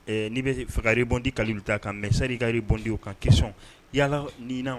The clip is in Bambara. N'i bɛ fagagarebdi kalili bɛ ta kan mɛsarigarebdi o kan kɛsɔn yalala ni na